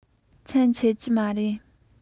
མཚམས ཆད ཀྱི མ རེད